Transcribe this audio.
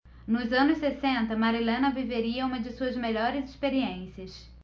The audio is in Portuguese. nos anos sessenta marilena viveria uma de suas melhores experiências